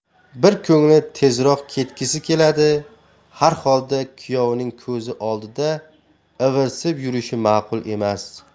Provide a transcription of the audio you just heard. bir ko'ngli tezroq ketgisi keladi harholda kuyovining ko'zi oldida ivirsib yurishi ma'qul emas